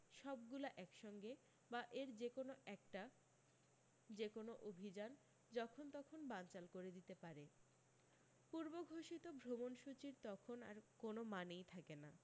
সবগুলা একসঙ্গে বা এর যে কোনও একটা যে কোনও অভি্যান যখন তখন বানচাল করে দিতে পারে পূর্বঘোষিত ভ্রমণসূচির তখন আর কোনও মানেই থাকে না